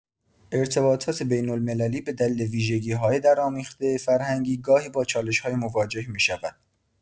ارتباطات بین‌المللی به دلیل ویژگی‌های درآمیخته فرهنگی گاهی با چالش‌هایی مواجه می‌شود.